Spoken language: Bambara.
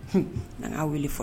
N weele fɔ